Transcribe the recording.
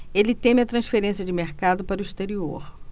ele teme a transferência de mercado para o exterior